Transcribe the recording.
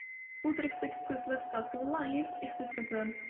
w driphlyg Quizlet dot live i'ch disgyblion.